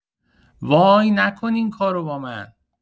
وای نکن این کارو با من